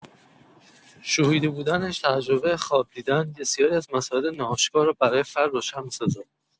شهودی بودن تجربه خواب دیدن، بسیاری از مسائل ناآشکار را برای فرد روشن می‌سازد.